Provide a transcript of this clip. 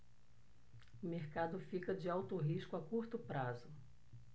o mercado fica de alto risco a curto prazo